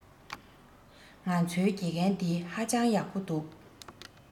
ང ཚོའི དགེ རྒན འདི ཧ ཅང ཡག པོ འདུག